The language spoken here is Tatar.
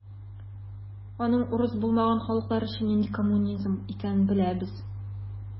Аның урыс булмаган халыклар өчен нинди коммунизм икәнен беләбез.